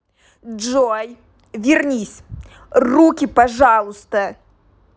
джой вернись руки пожалуйста